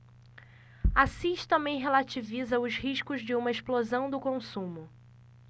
assis também relativiza os riscos de uma explosão do consumo